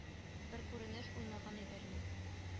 Бер күренеш уйнаган иде ринат